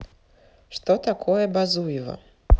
что такое базуева